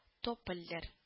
Топольләр